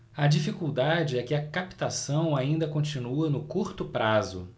a dificuldade é que a captação ainda continua no curto prazo